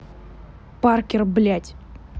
паркер блядь